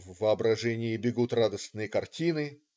В воображении бегут радостные картины.